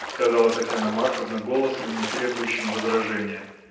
— сказала Татьяна Марковна голосом, не требующим возражения.